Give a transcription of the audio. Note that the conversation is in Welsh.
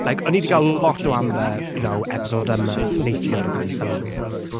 Like o'n ni 'di gael lot o Amber, you know, episode yma neithiwr, fi 'di sylwi.